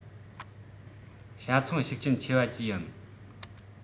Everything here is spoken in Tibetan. བྱ ཚང ཤུགས རྐྱེན ཆེ བ བཅས ཡིན